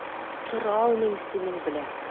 Тора алмыйм синең белән.